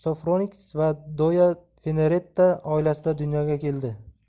sofroniks va doya fenaretta oilasida dunyoga keldi